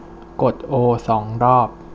กดโอสองรอบ